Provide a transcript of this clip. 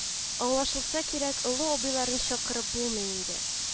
Аңлашылса кирәк, олы абыйларын чакырып булмый инде